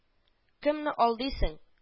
Кемне алдыйсың